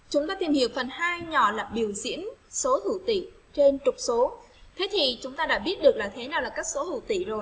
phương pháp tìm hiểu phần hai nhỏ là biểu diễn số hữu tỉ trên trục số thế thì chúng ta đã biết được là thế nào là các số hữu tỉ